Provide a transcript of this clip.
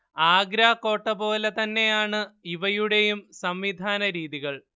ആഗ്രാകോട്ടപോലെ തന്നെയാണ് ഇവയുടെയും സംവിധാനരീതികൾ